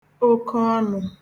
okeọnū